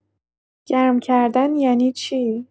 گرم‌کردن یعنی چی؟